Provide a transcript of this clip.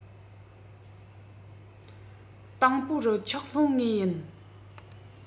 དང པོ རུ ཆོགས ལྷུང ངེས ཡིན